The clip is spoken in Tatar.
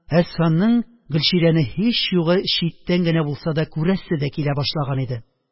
Әсфанның Гөлчирәне, һич югы, читтән генә булса да күрәсе дә килә башлаган иде.